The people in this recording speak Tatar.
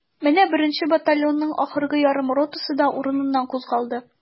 Менә беренче батальонның ахыргы ярым ротасы да урыныннан кузгалды.